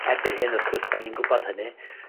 erbyn hyn, wrth gwrs 'dan ni'n gwbod hynny.